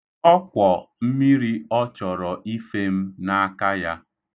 Ọ kwọ mmiri, ọ chọrọ ife m, n'aka ya.